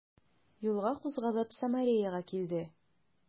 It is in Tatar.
Юлга кузгалып, Самареяга килде.